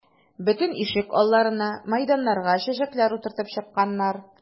Бөтен ишек алларына, мәйданнарга чәчәкләр утыртып чыкканнар.